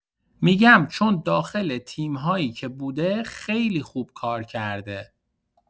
می‌گم چون داخل تیم‌هایی که بوده خیلی خوب کار کرده